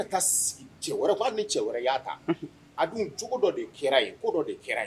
Ka taa sigi cɛ wɛrɛ kun, hali ni cɛ wɛrɛ y'a ta, unhun, a dun jogo dɔ de kɛra yen, ko dɔ de kɛra yen.